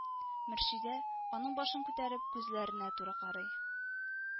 Мөршидә, аның башын күтәреп, күзләренә туры карый